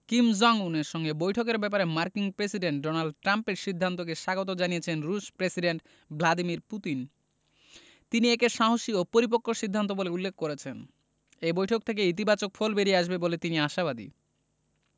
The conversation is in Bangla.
কিম জং উনের সঙ্গে বৈঠকের ব্যাপারে মার্কিন প্রেসিডেন্ট ডোনাল্ড ট্রাম্পের সিদ্ধান্তকে স্বাগত জানিয়েছেন রুশ প্রেসিডেন্ট ভ্লাদিমির পুতিন তিনি একে সাহসী ও পরিপক্ব সিদ্ধান্ত বলে উল্লেখ করেছেন এ বৈঠক থেকে ইতিবাচক ফল বেরিয়ে আসবে বলে তিনি আশাবাদী